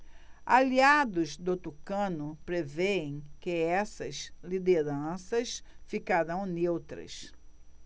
aliados do tucano prevêem que essas lideranças ficarão neutras